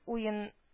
Уен